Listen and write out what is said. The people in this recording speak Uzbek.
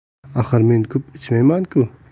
axir men ko'p ichmayman ku